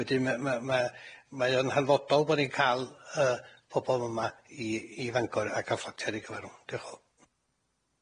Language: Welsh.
Wedyn ma' ma' ma' mae o'n hanfodol bo' ni'n ca'l yy pobol yma i i Fangor a ca'l fflatia ar i cyfar nw. Dioch yn fawr.